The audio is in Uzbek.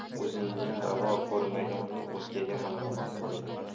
o'zingga ravo ko'rmaganni o'zgaga ham ravo ko'rma